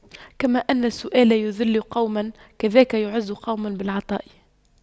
كما أن السؤال يُذِلُّ قوما كذاك يعز قوم بالعطاء